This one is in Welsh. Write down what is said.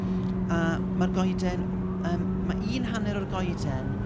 A mae'r goeden yym... ma' un hanner o'r goeden...